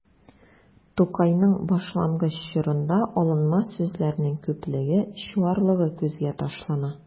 Тукайның башлангыч чорында алынма сүзләрнең күплеге, чуарлыгы күзгә ташлана.